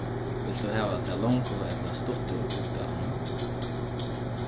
vilt tú hava tað longu ella stuttu útgávuna